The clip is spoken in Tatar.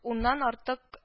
Уннан артык